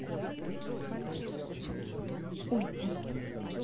уйди